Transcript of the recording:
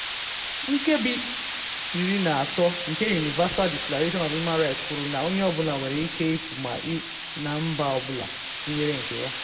Nkebi 13 nke Universal Declaration of Human Rights kwuru na "Onye ọbụla nwere ikike ịpụ na mba ọbụla, tinyere nke ya, ma laghachikwa n'obodo ya".